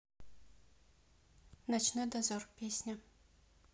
ночной дозор песня